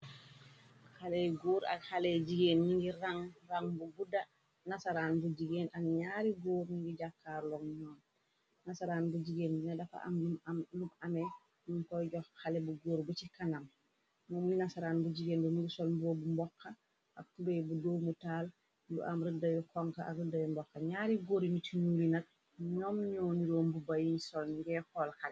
Xaley góur ak xaley jigéen ñi ngi ran bu gudda nasaraan bu jigeen ak ñaari góur ñingi jàkkaar loom ñoon nasaraan bu jigéen yina dafa am a lub ame muñ koy jox xale bu góur bi ci kanam ñoom li nasaraan bu jigeen bu migi sol mboo bu mbox ak tubey bu doomu taal bu am rëddayu konk ak rëddayu mbokxa ñaari góuri mi cu ñuuli na ñoom ñoon ñroom bu ba yiñ sol ngiy xool xat.